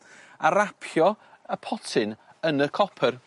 A rapio y potyn yn y copyr.